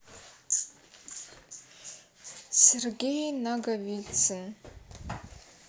сергей наговицын